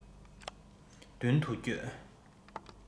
མདུན དུ བསྐྱོད